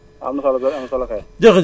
am na solo bu wér am na solo kay